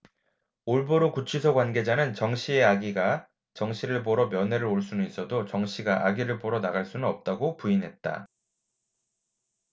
올보르 구치소 관계자는 정 씨의 아기가 정 씨를 보러 면회를 올 수는 있어도 정 씨가 아기를 보러 나갈 수는 없다고 부인했다